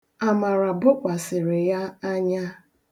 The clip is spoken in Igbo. Amara bokwasịrị ya anya.